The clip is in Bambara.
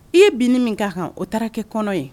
I ye bin min ka kan o taara kɛ kɔnɔ ye